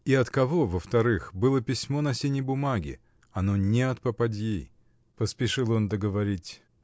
— И от кого, во-вторых, было письмо на синей бумаге: оно не от попадьи! — поспешил он договорить.